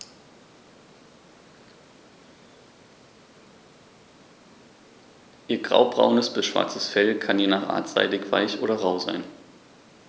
Ihr graubraunes bis schwarzes Fell kann je nach Art seidig-weich oder rau sein.